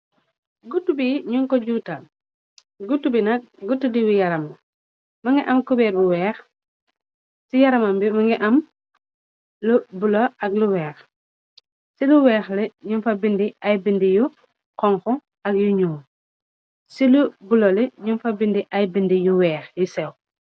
Gutubi ñu ko juuta gutu bina gut diwu yaram. Mëngi am kueer bu wexci yaraamb gabakuwexci lu weex li. Nu fa bindi ay bindi yu xonku ak yuñuo. Ci lu buloli ñu fa bindi ay bindi yu weex yi sew.